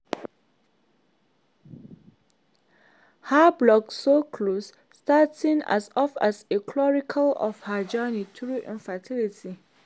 Her blog, So Close, started as off as a chronicle of her journey through infertility.